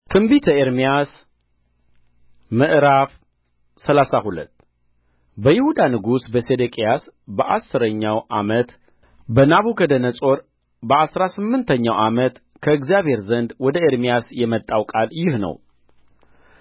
ትንቢተ ኤርምያስ ምዕራፍ ሰላሳ ሁለት በይሁዳ ንጉሥ በሴዴቅያስ በአሥረኛው ዓመት በናቡክደነፆር በአሥራ ስምንተኛው ዓመት ከእግዚአብሔር ዘንድ ወደ ኤርምያስ የመጣው ቃል ይህ ነው